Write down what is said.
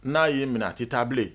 N'a ye minɛ a tɛ taa bilen